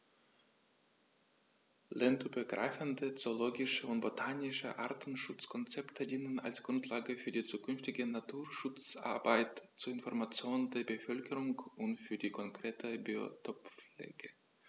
Länderübergreifende zoologische und botanische Artenschutzkonzepte dienen als Grundlage für die zukünftige Naturschutzarbeit, zur Information der Bevölkerung und für die konkrete Biotoppflege.